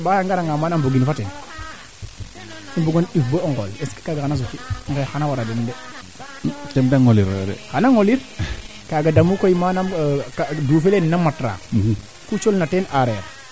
d' accord bo ndiik i numtu wiida nga no kee ando naye ten refu agriculture moderne manaam a xooxa la yaaga fo a qooqa le ndiiki nana tee xaƴna a maada yoqa bo ndiik wee ando naye roog wasnamo ten seen kaa leyelo yo mak